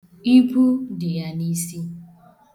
Igwu dị ya n'isi.